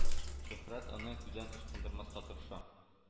Шөһрәт аны күздән ычкындырмаска тырыша